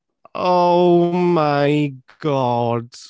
Oh, my God!